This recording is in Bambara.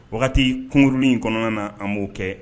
Wagati kunurun in kɔnɔna na an b'o kɛ